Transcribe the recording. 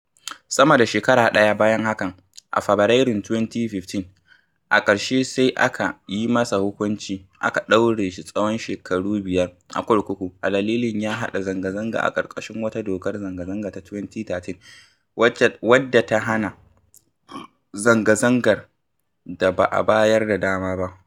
Sama da shekara ɗaya bayan hakan, a Fabarairun 2015, a ƙarshe sai aka yi masa hukunci aka ɗaure shi tsawon shekaru biyar a kurkuku a dalilin ya "haɗa" zanga-zanga a ƙarƙashin wata dokar zanga-zanga ta 2013 wadda ta hana zanga-zangar da ba a bayar da dama ba.